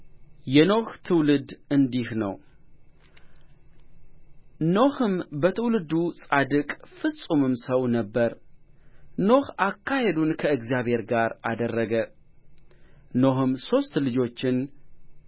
የኖኅ ትውልድ እንዲህ ነው ኖኅም በትውልዱ ጻድቅ ፍጹምም ሰው ነበረ ኖኅ አካሄዱን ከእግዚአብሔር ጋር አደረገ ኖኅም ሦስት ልጆችን